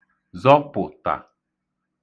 zọpụ̀tà